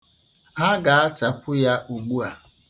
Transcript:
Ha ga-achapu ya ugbua.